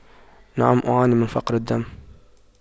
نعم أعاني من فقر الدم